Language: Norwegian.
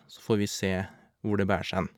Så får vi se hvor det bærs hen.